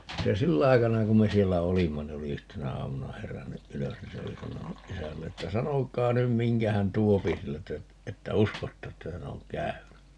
se sillä aikana kun me siellä olimme niin oli yhtenä aamuna herännyt ylös niin se oli sanonut isälleen että sanokaa nyt minkä hän tuo sieltä että uskotte että hän on käynyt